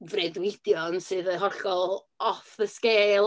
freuddwydion sydd yn hollol off the scale.